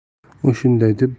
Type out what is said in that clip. u shunday deb